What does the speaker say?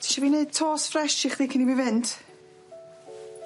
Tisio fi neud tos ffresh i chdi cyn i fi fynd?